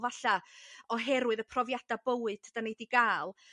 falla' oherwydd y profiada' bywyd 'da ni 'di ga'l